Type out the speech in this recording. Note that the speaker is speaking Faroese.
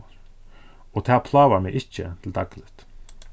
og tað plágar meg ikki til dagligt